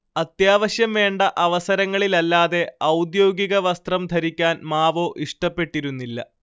അത്യാവശ്യം വേണ്ട അവസരങ്ങളില്ലല്ലാതെ ഔദ്യോഗിക വസ്ത്രം ധരിക്കാൻ മാവോ ഇഷ്ടപ്പെട്ടിരുന്നില്ല